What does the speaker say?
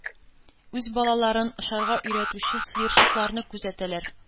Үз балаларын очарга өйрәтүче сыерчыкларны күзәтәләр...